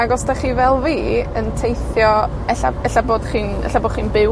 Ag os 'dach chi fel fi, yn teithio, ella, ella bod chi'n, ella bo' chi'n byw